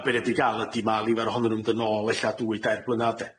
A be' neb di ga'l ydi ma' nifar ohonyn nhw'n mynd yn nol dwy dair mlynadd de.